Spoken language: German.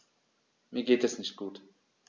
Mir geht es nicht gut.